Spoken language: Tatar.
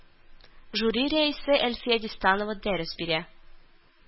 Жюри рәисе Әлфия Дистанова дәрес бирә